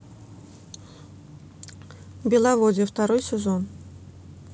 беловодье второй сезон